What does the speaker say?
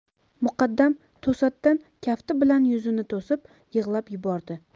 muqaddam to'satdan kafti bilan yuzini to'sib yig'lab yubordi